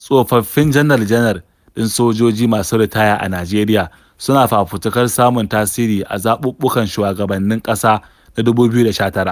Tsofaffin janar-janar ɗin sojoji masu ritaya a Najeriya suna fafutukar samun tasiri a zaɓuɓɓukan shugabannin ƙasa na 2019